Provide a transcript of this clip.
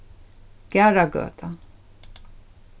garðagøta